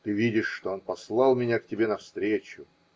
-- Ты видишь, что он послал меня к тебе навстречу.